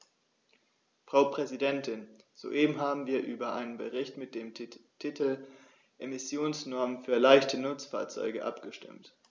Frau Präsidentin, soeben haben wir über einen Bericht mit dem Titel "Emissionsnormen für leichte Nutzfahrzeuge" abgestimmt.